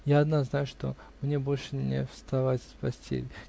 Я одна знаю, что мне больше не вставать с постели.